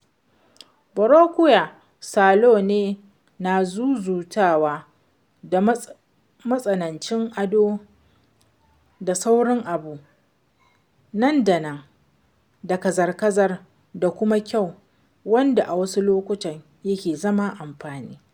Baroque salo ne na zuzutawa da matsanancin ado da sauyin abu nan da nan da kazarkazar da kuma kyau wanda a wasu lokutan yake zama alfahari.